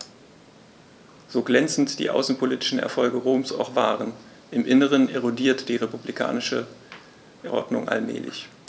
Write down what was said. So glänzend die außenpolitischen Erfolge Roms auch waren: Im Inneren erodierte die republikanische Ordnung allmählich.